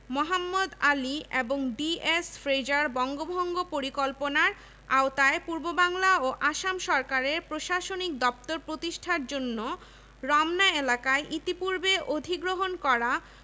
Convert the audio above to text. কলকাতা বিশ্ববিদ্যালয়ের সর্বমোট ২৭ হাজার ২৯০ জন ছাত্রের মধ্যে ঢাকা বিভাগ ও ত্রিপুরা জেলা থেকে ৭ হাজার ৯৭ জন ছাত্র অধ্যয়নরত